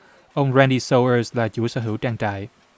ông rai ni sâu ơ là chủ sở hữu trang trại